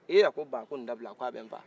eee a ko ba ko nin dabila a ko a bɛ n faa